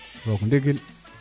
roog ndigil